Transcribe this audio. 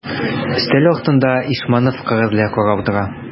Өстәл артында Ишманов кәгазьләр карап утыра.